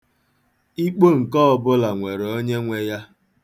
Ikpo nke ọbụla nwere onye nwe ya.